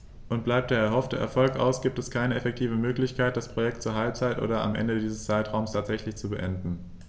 Und bleibt der erhoffte Erfolg aus, gibt es keine effektive Möglichkeit, das Projekt zur Halbzeit oder am Ende dieses Zeitraums tatsächlich zu beenden.